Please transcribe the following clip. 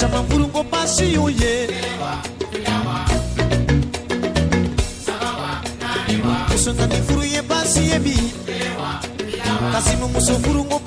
Caman furukubasi y oo ye furu ye baasisi ye bi muso furuku